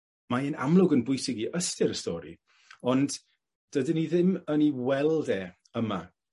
mae'n amlwg yn bwysig i ystyr y stori ond dydyn ni ddim yn ei weld yma.